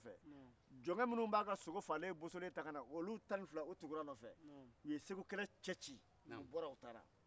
ni e ma a sɔrɔ min ye a sɔrɔ min ni ladamu nana o ɲɛgoya ka na e mina ka se o kunamana